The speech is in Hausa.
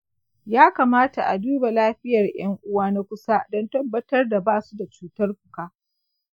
ya kamata a duba lafiyar ’yan uwa na kusa don tabbatar da ba su da cutar fuka.